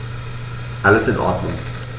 Alles in Ordnung.